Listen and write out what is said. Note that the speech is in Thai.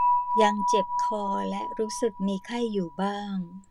ยังเจ็บคอและรู้สึกมีไข้อยู่บ้าง